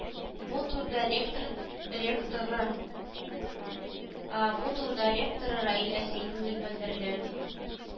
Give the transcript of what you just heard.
Бу турыда ректор бу турыда ректоры раил әсәйдуллин белдерде